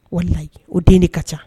Walayi o den de ka ca